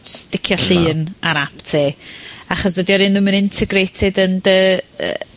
sticio llun...Na. ...ar ap ti, achos dydi o ddim ddim yn integrated yn dy yy,